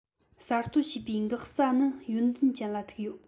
གསར གཏོད བྱེད པའི འགག རྩ ནི ཡོན ཏན ཅན ལ ཐུག ཡོད